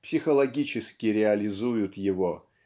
психологически реализуют его